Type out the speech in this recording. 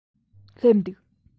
སླེབས འདུག